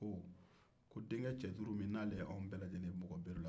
ko ko denkɛ cɛ duuru min n'ale y'an bɛɛ lajɛlen bugɔ nbari la